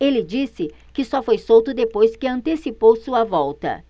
ele disse que só foi solto depois que antecipou sua volta